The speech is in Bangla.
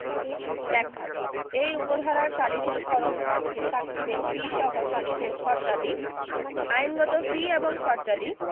ব্যাখ্যা এই উপ ধারার সালিসের খরচ অর্থে সাক্ষীদের ফিসহ সালিসের খরচাদি আইনগত ফি এবং খরচাদি